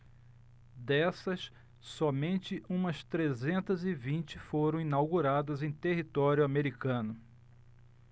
dessas somente umas trezentas e vinte foram inauguradas em território americano